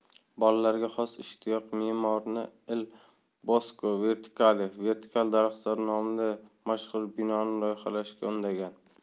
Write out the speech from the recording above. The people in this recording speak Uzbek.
bolalarga xos ishtiyoq me'morni il bosco verticale vertikal daraxtzor nomli mashhur binoni loyihalashga undagan